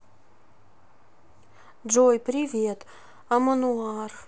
джой привет а manowar